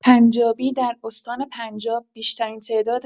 پنجابی در استان پنجاب بیشترین تعداد